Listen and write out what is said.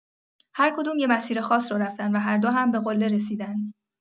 هر کدوم یه مسیر خاص رو رفتن و هر دو هم به قله رسیدن.